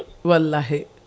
wallahi